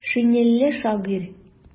Шинельле шагыйрь.